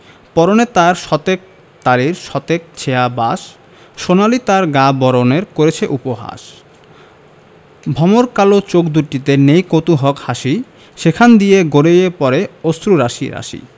পরনে তার শতেক তালির শতেক ছেঁড়া বাস সোনালি তার গা বরণের করছে উপহাস ভমর কালো চোখ দুটিতে নেই কৌতুহক হাসি সেখান দিয়ে গড়িয়ে পড়ে অশ্রু রাশি রাশি